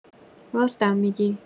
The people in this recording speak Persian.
راستم می‌گی